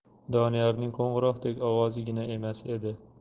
doniyorning qo'ng'iroqdek ovozigina emas edi